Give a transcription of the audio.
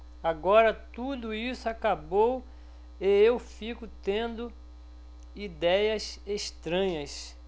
agora tudo isso acabou e eu fico tendo idéias estranhas